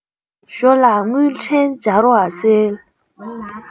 ཞོ ལ རྡུལ ཕྲན འབྱར བ སེལ